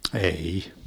ei